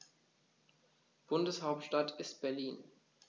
Bundeshauptstadt ist Berlin.